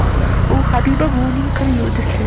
u habiba buvining kir yuvdisi